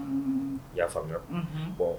I y'a faamuya